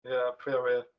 Ia, pwy a wyr.